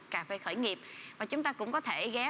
cà phê khởi nghiệp và chúng ta cũng có thể ghé